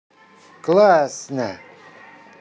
классно